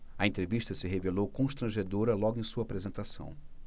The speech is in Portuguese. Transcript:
a entrevista se revelou constrangedora logo em sua apresentação